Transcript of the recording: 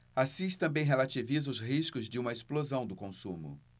assis também relativiza os riscos de uma explosão do consumo